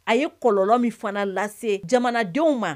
A ye kɔlɔlɔ min fana lase jamanadenw ma